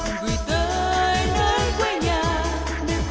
gửi tới nơi quê nhà